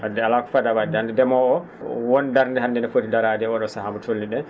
wadde alaa ko fota wadde hannde ndemoowo o won darnde hannde nde foti daraade e o?o sahaa mo tolni?en